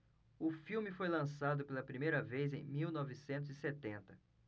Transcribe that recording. o filme foi lançado pela primeira vez em mil novecentos e setenta